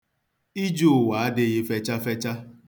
Ije ụwa adịghị fechafecha.